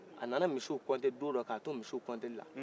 a nana misiw compter dondɔ ka t'o misiw compter lila